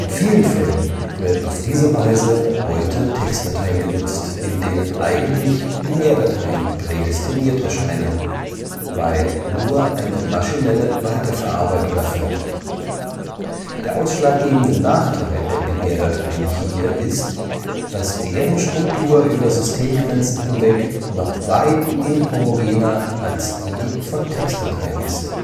vielen Fällen werden auf diese Weise heute Textdateien genutzt, in denen eigentlich Binärdateien prädestiniert erscheinen, weil nur eine maschinelle Weiterverarbeitung erfolgt. Der ausschlaggebende Nachteil der Binärdateien hier ist, dass deren Struktur über Systemgrenzen hinweg noch weit inhomogener als die von Textdateien ist